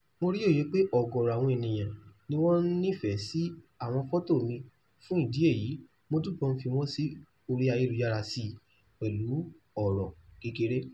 Mo rí òye pé ọ̀gọ̀ọ̀rọ̀ àwọn ènìyàn ni wọ́n ń nífẹ̀ẹ́ sí àwọn fọ́tọ̀ mi fún ìdí èyí mò ń túbọ̀ fi wọn sí orí ayélujára síi, pẹ̀lú ọ̀rọ̀ kékeré.